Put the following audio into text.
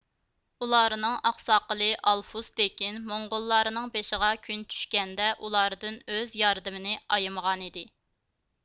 ئۇلارنىڭ ئاقساقىلى ئالفۇس تېكىن موڭغۇللارنىڭ بېشىغا كۈن چۈشكەندە ئۇلاردىن ئۆز ياردىمىنى ئايىمىغانىدى